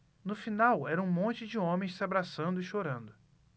no final era um monte de homens se abraçando e chorando